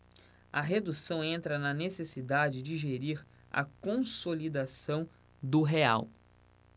a redução entra na necessidade de gerir a consolidação do real